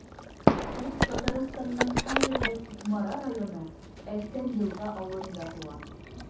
Ул Татарстанның хәзерге Кукмара районы Әсән Елга авылында туа.